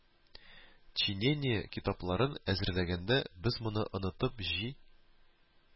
Чинение китапларын әзерләгәндә, без моны онытып җи